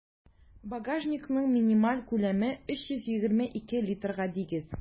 Багажникның минималь күләме 322 литрга тигез.